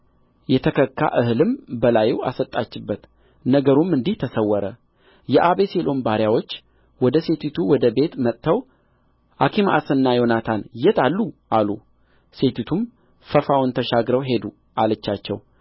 የተከካ እህልም በላዩ አሰጣችበት ነገሩም እንዲህ ተሰወረ የአቤሴሎም ባሪያዎች ወደ ሴቲቱ ወደ ቤት መጥተው አኪማአስና ዮናታን የት አሉ አሉ ሴቲቱም ፈፋውን ተሻግረው ሄዱ አለቻቸው